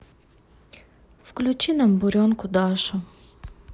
включи нам буренку дашу